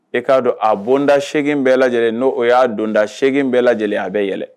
E k'a dɔn a bonda segin bɛɛ lajɛ lajɛlen n'o o y'a donda segin bɛɛ lajɛlen a bɛ yɛlɛ